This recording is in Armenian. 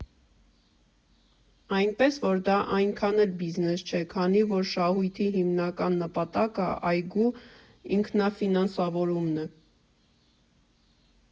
Այնպես որ դա այնդքան էլ բիզնես չէ, քանի որ շահույթի հիմնական նպատակը այգու ինքնաֆինանսավորումն է։